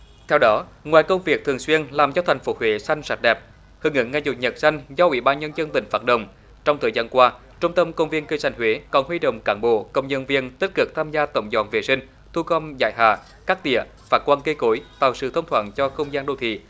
theo đó ngoài công việc thường xuyên làm cho thành phố huế xanh sạch đẹp hưởng ứng ngày chủ nhật xanh do ủy ban nhân dân tỉnh phát động trong thời gian qua trung tâm công viên cây xanh huế còn huy động cán bộ công nhân viên tích cực tham gia tổng dọn vệ sinh thu gom giải hạ cắt tỉa phát quang cây cối tạo sự thông thoáng cho không gian đô thị